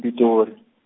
-Pitori .